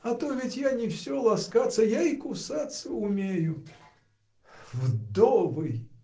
А то ведь я не все ласкаться -- я и кусаться умею. Вдовый!